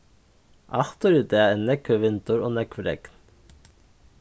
aftur í dag er nógvur vindur og nógv regn